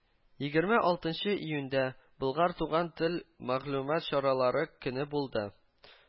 Егерме алтынчы июньдә “Болгар-Туган тел” мәгълүмат чаралары көне булды